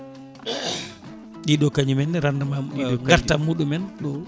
ɗiɗo kañumenne rendement gartam muɗumen ɗo ɗo